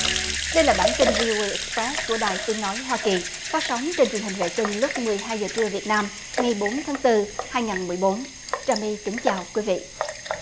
đây là bản tin vy ô ây ẹt rép của đài tiếng nói hoa kỳ phát sóng trên truyền hình vệ tinh lúc mười hai giờ trưa việt nam ngày bốn tháng từ hai nghìn mười bốn trà my kính chào quý vị